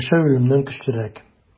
Яшәү үлемнән көчлерәк.